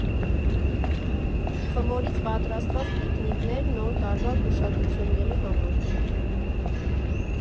Խմորից պատրաստված տիկնիկներ՝ Նոր տարվա գուշակությունների համար։